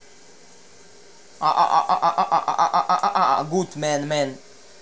a a a a a a good man man